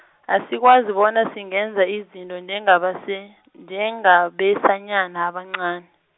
asikwazi bona singenza izinto njengabase-, njengabesanyana abanqan-.